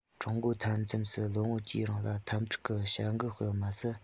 ཀྲུང གོའི མཐའ མཚམས སུ ལོ ངོ བཅུའི རིང ལ འཐབ འཁྲུག གི བྱ འགུལ སྤེལ བར མ ཟད